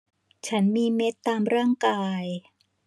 ฉันมีเม็ดตามร่างกาย